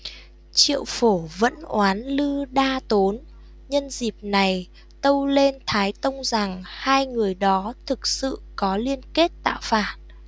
triệu phổ vẫn oán lư đa tốn nhân dịp này tâu lên thái tông rằng hai người đó thực sự có liên kết tạo phản